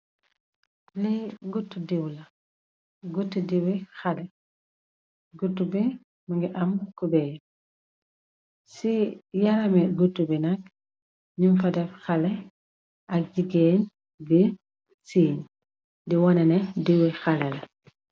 Li gotu dew la gotu dewi xale gutigi mogi am cuber si yarami gutigi nak nyun fa deff xale ak jigeen di seeng di woneh neh dew wi xale la.